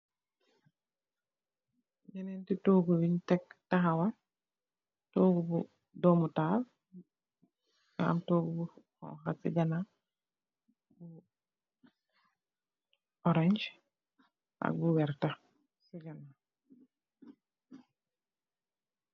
Neenti togu yun teg taxawal togu bu domu taal nag am togu bu xonxa si kanaw bu orange ak bu wertax.